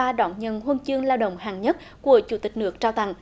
và đón nhận huân chương lao động hạng nhất của chủ tịch nước trao tặng